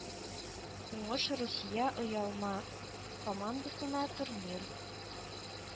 Уңыш русия ыелма командасына, турнир